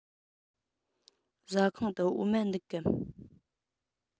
ཟ ཁང དུ འོ མ འདུག གམ